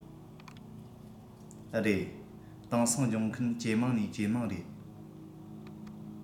རེད དེང སང སྦྱོང མཁན ཇེ མང ནས ཇེ མང རེད